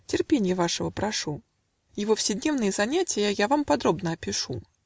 Терпенья вашего прошу: Его вседневные занятья Я вам подробно опишу.